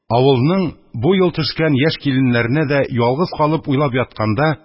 Авылның бу ел төшкән яшь киленнәренә дә ялгыз калып уйлап ятканда